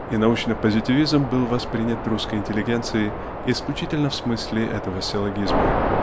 И научный позитивизм был воспринято русской интеллигенцией исключительно в смысле этого силлогизма.